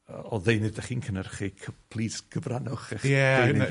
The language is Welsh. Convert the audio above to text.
yy o ddeunydd 'dych chi'n cynhyrchu cy- plis cyfrannwch eich. Ie ... ddeunydd i ni.